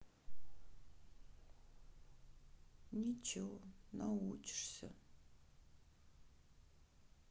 ниче научишься